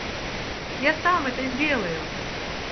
я сам это сделаю